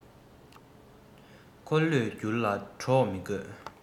འཁོར ལོས བསྒྱུར ལ གྲོགས མི དགོས